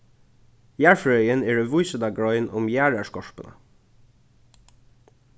jarðfrøðin er ein vísindagrein um jarðarskorpuna